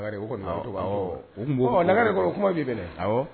Kɔrɔ kuma' kɛnɛ